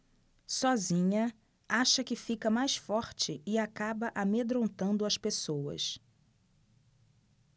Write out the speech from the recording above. sozinha acha que fica mais forte e acaba amedrontando as pessoas